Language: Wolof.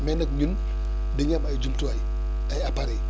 mais nag ñun dañoo am ay jumtuwaay ay appareils